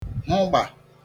hụgbà